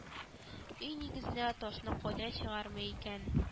Өй нигезенә ташны кайдан чыгармый икән